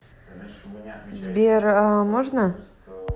сбер а можно